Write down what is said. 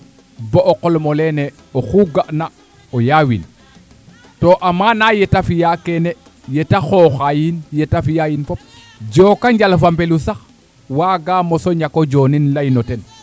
bo o qol mo leene oxu ga na o yaawin to amana yeete fi'a keene yete xooxa yiin yete fiya yiin fop joko njal fa mbelu sax waaga ñako moso joonin leyno ten